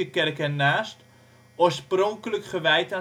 kerk ernaast, oorspronkelijk gewijd